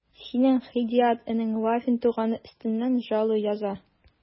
Синең Һидият энең Вафин туганы өстеннән жалу яза...